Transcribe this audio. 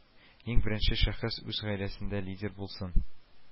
Иң беренче шәхес үз гаиләсендә лидер булсын